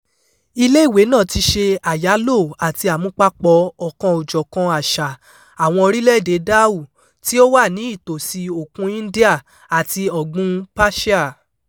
Iléèwé náà ti ṣe àyálò àti àmúpapọ̀ ọ̀kan-ò-jọ̀kan àṣà "àwọn orílẹ̀-èdè dhow", tí ó wà ní ìtòsíi Òkun India àti Ọ̀gbùn-un Persia.